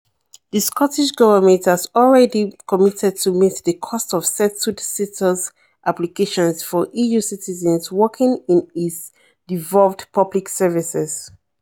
The Scottish Government has already committed to meet the cost of settled status applications for EU citizens working in its devolved public services.